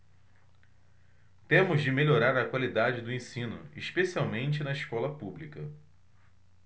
temos de melhorar a qualidade do ensino especialmente na escola pública